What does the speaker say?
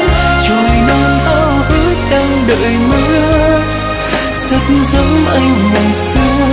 chồi non háo hức đang đợi mưa rất giống anh ngày xưa